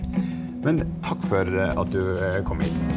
men takk for at du kom hit.